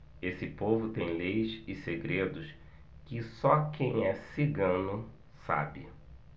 esse povo tem leis e segredos que só quem é cigano sabe